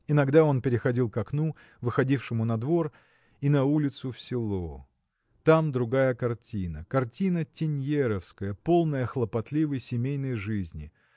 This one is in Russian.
Иногда он переходил к окну, выходившему на двор и на улицу в село. Там другая картина картина теньеровская полная хлопотливой семейной жизни.